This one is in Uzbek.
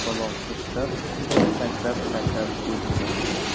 yapaloq g'ishtlar ustidan sakrab sakrab o'tdi